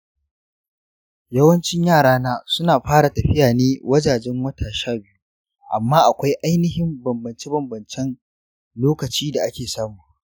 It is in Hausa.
yawancin yarana suna fara tafiya ne wajajen wata sha biyu, amma akwai ainhin banbance banbancen lokaci da ake samu.